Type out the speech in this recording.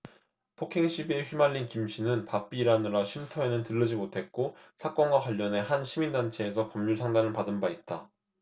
폭행시비에 휘말린 김씨는 바삐 일하느라 쉼터에는 들르지 못했고 사건과 관련해 한 시민단체에서 법률상담을 받은 바 있다